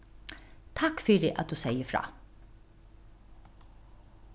takk fyri at tú segði frá